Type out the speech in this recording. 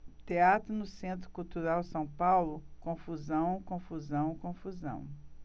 teatro no centro cultural são paulo confusão confusão confusão